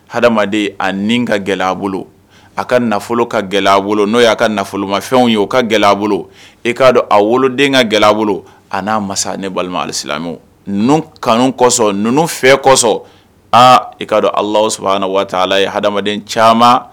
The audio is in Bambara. Haden a ka gɛlɛya a bolo a ka nafolo ka gɛlɛya a bolo n'o y'a ka nafolomafɛn ye o ka gɛlɛya bolo e'a a woloden ka gɛlɛya a bolo a n'a masa ne balima n kanu kosɔn ninnu fɛn kosɔn aa e k kaa ala sɔrɔ waati ala ye hadamaden caman